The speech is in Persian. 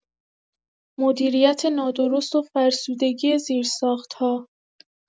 مدیریت نادرست و فرسودگی زیرساخت‌ها